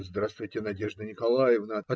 Здравствуйте, Надежда Николаевна,